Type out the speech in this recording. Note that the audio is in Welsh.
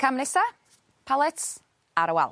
Cam nesa? Palets ar y wal.